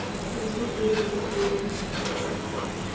ярослав приедет завтра в одиннадцать